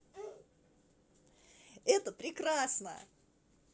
это прекрасно